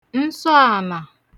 nsọ ànà